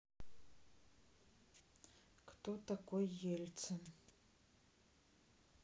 кто такой ельцин